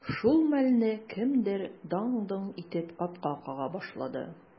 Шул мәлне кемдер даң-доң итеп капка кага башлады.